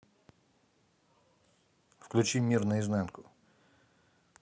включи мир наизнанку